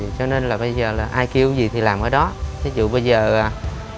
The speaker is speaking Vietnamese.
cho nên là bây giờ là ai kêu cái gì thì làm ở đó thí dụ bây giờ ờ